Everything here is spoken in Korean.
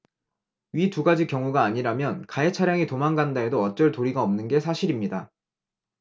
위 두 가지 경우가 아니라면 가해차량이 도망간다 해도 어쩔 도리가 없는 게 사실입니다